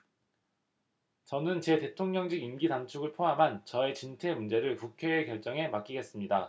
저는 제 대통령직 임기 단축을 포함한 저의 진퇴 문제를 국회의 결정에 맡기겠습니다